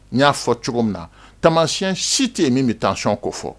N'i y'a fɔ cogo min na, tamasiyɛn si tɛ yen min bɛ tension ko fɔ.